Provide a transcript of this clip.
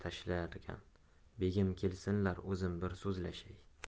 tashlarkan begim kelsinlar o'zim bir so'zlashay